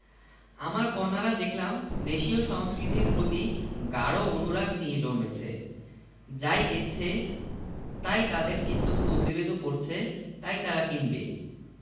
কিন্তু একবার কোন দোকান ছেড়ে এলে আবার সেখানে ঢোকা অসম্ভব অন্য একার্ট ঘরে উকি দিলাম বিনীত ভঙ্গিতে বললাম আপনাদের রবিঠাকুর আছে